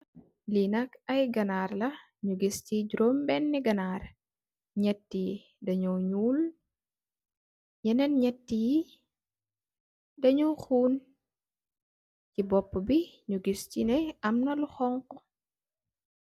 Linak aye ganar la nyunge giss jorom benuh ganarr nyetti danyu nyull yenen nyetti danyu khorr si bupubi munge am lu xhong khuh